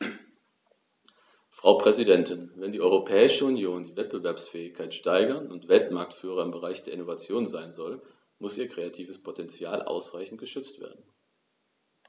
Frau Präsidentin, wenn die Europäische Union die Wettbewerbsfähigkeit steigern und Weltmarktführer im Bereich der Innovation sein soll, muss ihr kreatives Potential ausreichend geschützt werden.